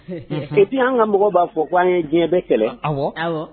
Epi an ka mɔgɔ b'a fɔ k' an ye diɲɛ bɛɛ kɛlɛ